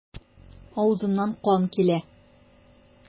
Авызыннан кан килә.